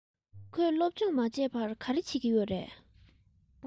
ཁོས སློབ སྦྱོང མ བྱས པར ག རེ བྱེད ཀྱི ཡོད རས